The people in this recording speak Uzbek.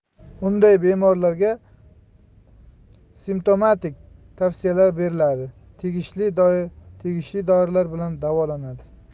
unday bemorlarga simtomatik tavsiyalar berilib tegishli dorilar bilan davolanadi